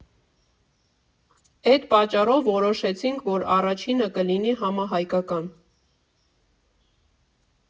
Էդ պատճառով որոշեցինք, որ առաջինը կլինի համահայկական։